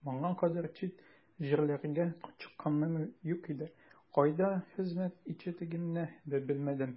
Моңа кадәр чит җирләргә чыкканым юк иде, кайда хезмәт итәчәгемне дә белмәдем.